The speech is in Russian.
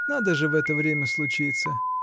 Надо же в это время случиться!